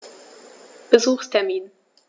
Besuchstermin